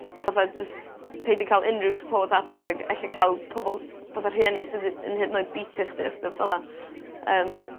fatha jyst peidio ca'l unryw support adra ag ella ca'l pobol fatha rhieni sydd y- yn hud yn oed beatio chdi a stwff fel 'a. Yym.